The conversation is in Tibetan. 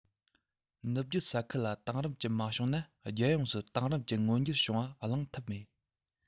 ནུབ རྒྱུད ས ཁུལ ལ དེང རབས ཅན མ བྱུང ན རྒྱལ ཡོངས སུ དེང རབས ཅན མངོན གྱུར བྱུང བ གླེང ཐབས མེད